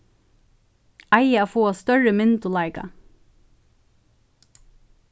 eiga at fáa størri myndugleika